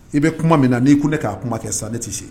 I bɛ kuma min na n'i ko ne k'a kuma kɛ sa ne tɛ se